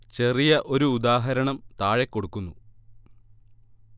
ചെറിയ ഒരു ഉദാഹരണം താഴെ കൊടുക്കുന്നു